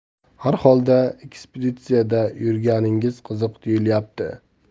har holda ekspeditsiyada yurganingiz qiziq tuyulyapti